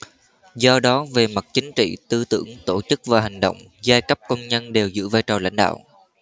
do đó về mặt chính trị tư tưởng tổ chức và hành động giai cấp công nhân đều giữ vai trò lãnh đạo